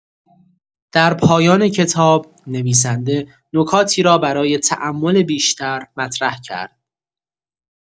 در پایان کتاب، نویسنده نکاتی را برای تأمل بیشتر مطرح کرد.